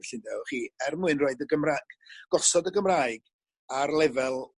felly ynde wch chi er mwyn roid y Gymra- gosod y Gymraeg ar lefel